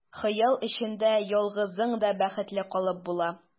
Хыял эчендә ялгызың да бәхетле калып була.